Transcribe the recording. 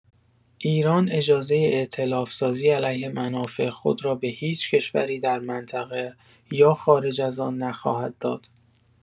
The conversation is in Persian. ایران اجازه ائتلاف سازی علیه منافع خود را به هیچ کشوری در منطقه یا خارج از آن نخواهد داد.